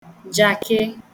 jàkị